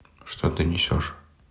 что ты несешь